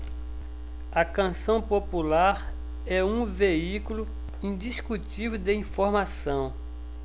a canção popular é um veículo indiscutível de informação